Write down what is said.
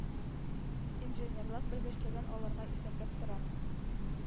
Инженерлык белгечлеген алырга исәпләп тора.